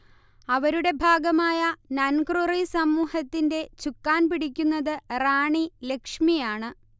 അവരുടെ ഭാഗമായ നൻക്രുറി സമൂഹത്തിന്റെ ചുക്കാൻ പിടിക്കുന്നത് റാണി ലക്ഷ്മിയാണ്